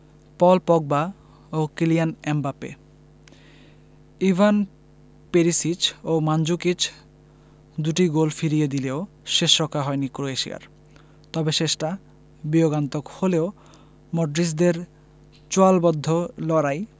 পল Pogba ও Kylian Mbappe Ivan Perisic ও Mandzukic দুটি গোল ফিরিয়ে দিলেও শেষরক্ষা হয়নি ক্রোয়েশিয়ার তবে শেষটা বিয়োগান্তক হলেও মডরিচদের চোয়ালবদ্ধ লড়াই